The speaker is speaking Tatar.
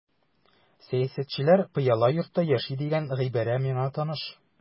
Сәясәтчеләр пыяла йортта яши дигән гыйбарә миңа таныш.